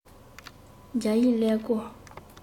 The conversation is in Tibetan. རྒྱ ཡིག ཀླད ཀོར